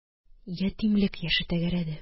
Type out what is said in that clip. Ятимлек яше тәгәрәде